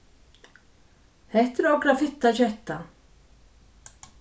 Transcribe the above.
hetta er okra fitta ketta